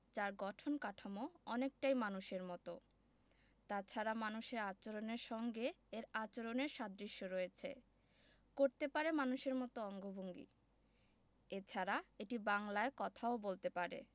যার গঠন কাঠামো অনেকটাই মানুষের মতো তাছাড়া মানুষের আচরণের সঙ্গে এর আচরণের সাদৃশ্য রয়েছে করতে পারে মানুষের মতো অঙ্গভঙ্গি এছাড়া এটি বাংলায় কথাও বলতে পারে